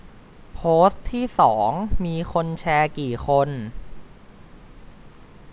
โพสต์ที่สองมีคนแชร์กี่คน